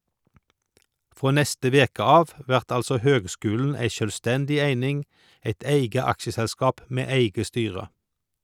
Frå neste veke av vert altså høgskulen ei sjølvstendig eining, eit eige aksjeselskap med eige styre.